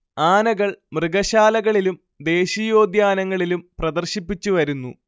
ആനകൾ മൃഗശാലകളിലും ദേശീയോദ്യാനങ്ങളിലും പ്രദർശിപ്പിച്ചുവരുന്നു